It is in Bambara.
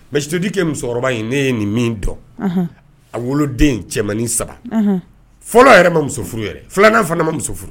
Mɛ misitudikɛ musokɔrɔba in ne ye nin min dɔn a woloden cɛmannin saba fɔlɔ yɛrɛ ma muso furu yɛrɛ filanan fana ma muso furu